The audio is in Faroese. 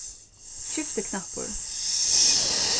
skiftiknappur